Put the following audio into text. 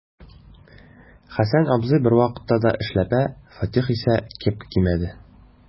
Хәсән абзый бервакытта да эшләпә, Фатих исә кепка кимәде.